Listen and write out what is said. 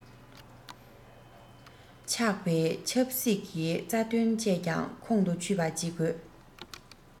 ཆགས པའི ཆབ སྲིད ཀྱི རྩ དོན བཅས ཀྱང ཁོང དུ ཆུད པ བྱེད དགོས